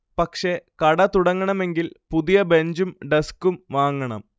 പക്ഷെ കട തുടങ്ങണമെങ്കിൽ പുതിയ ബഞ്ചും ഡസ്ക്കും വാങ്ങണം